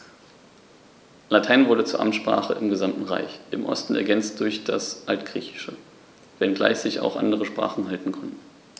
Latein wurde zur Amtssprache im gesamten Reich (im Osten ergänzt durch das Altgriechische), wenngleich sich auch andere Sprachen halten konnten.